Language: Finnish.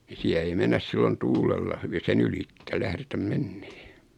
niin siellä ei mennä silloin tuulella hyvin sen ylitse lähdetä menemään